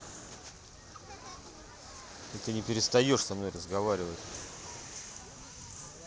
это не перестанешь со мной разговаривать